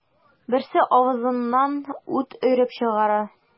Берсе авызыннан ут өреп чыгара.